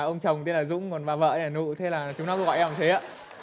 ông chồng tên la dũng còn bà vợ tên là nụ thế là chúng nó cứ gọi em là thế ạ